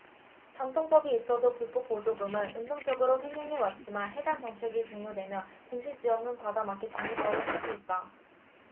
단통법이 있어도 불법 보조금은 음성적으로 횡행해왔지만 해당 정책이 종료되면 공시지원금 과다 마케팅이 벌어질 수 있다